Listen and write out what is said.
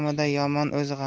yomon o'z g'amida